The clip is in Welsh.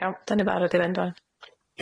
Iawn 'dan ni'n barod i fynd 'wan.